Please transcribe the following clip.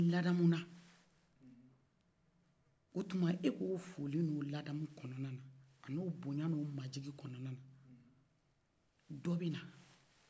n'i ladamu na o tuma e bɛ o foli n'o ladamu kɔnɔnana ani o boɲan n'o manjigi kɔnɔna dɔbɛna